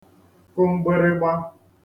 -kụ mgbịrịgba